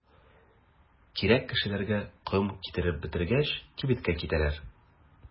Кирәк кешеләргә ком китереп бетергәч, кибеткә китәләр.